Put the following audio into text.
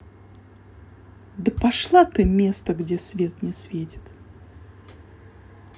да пошла ты место где свет не светит